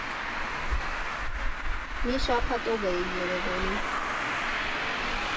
Մի շաբաթով էի Երևանում։